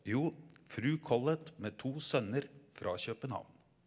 jo Fru Collett med to sønner fra København.